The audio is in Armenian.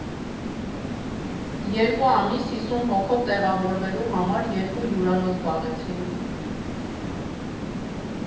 Երկու ամիս հիսուն հոգով տեղավորվելու համար երկու հյուրանոց զբաղեցրինք։